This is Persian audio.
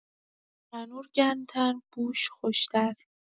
تنور گرم‌تر، بوش خوش‌تر.